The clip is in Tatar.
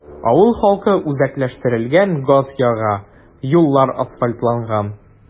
Авыл халкы үзәкләштерелгән газ яга, юллар асфальтланган.